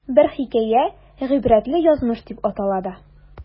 Бер хикәя "Гыйбрәтле язмыш" дип атала да.